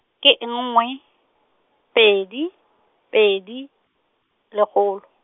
ke nngwe, pedi, pedi, legolo.